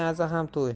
aza ham to'y